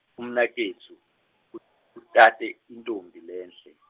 umnaketfu, ut- utsatse intfombi lenhle.